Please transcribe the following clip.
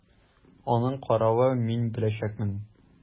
Аның каравы, мин беләчәкмен!